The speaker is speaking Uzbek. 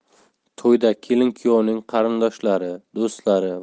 to'yda kelin kuyovning qarindoshlari do'stlari